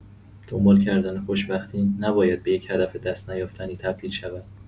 دنبال‌کردن خوشبختی نباید به یک هدف دست‌نیافتنی تبدیل شود.